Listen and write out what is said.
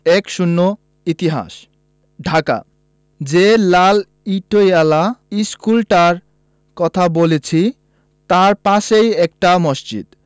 ১০ ইতিহাস ঢাকা যে লাল ইটোয়ালা ইশকুলটার কথা বলছি তাই পাশেই একটা মসজিদ